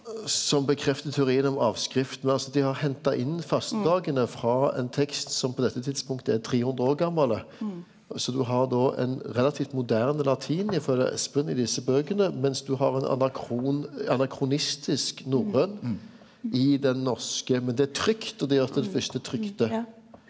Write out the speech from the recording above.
som bekreftar teorien om avskrift men altså dei har henta inn fastedagane frå ein tekst som på dette tidspunktet er 300 år gammal, så du har då ein relativt moderne latin ifølge Espen i desse bøkene, mens du har ein anakronistisk norrøn i den norske men det er trykt og det gjer at det er det fyrste trykte.